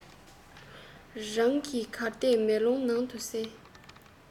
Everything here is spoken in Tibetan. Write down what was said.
རང གིས གར བལྟས མེ ལོང ནང དུ གསལ